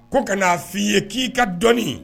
Ko ka n'a f fɔ ii ye k'i ka dɔɔnini